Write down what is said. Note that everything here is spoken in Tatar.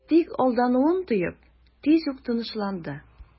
Тик алдануын тоеп, тиз үк тынычланды...